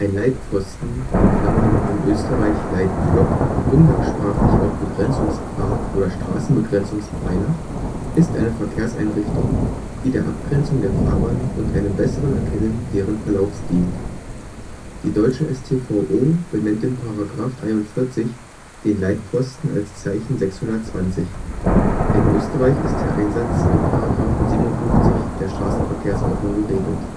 Leitpfosten (in Österreich Leitpflock, umgangssprachlich auch Begrenzungspfahl oder Straßenbegrenzungspfeiler), ist eine Verkehrseinrichtung, die der Abgrenzung der Fahrbahn und einem besseren Erkennen deren Verlaufs dient. Die deutsche StVO benennt in § 43 den Leitpfosten als Zeichen 620. In Österreich ist der Einsatz im § 57 StVO geregelt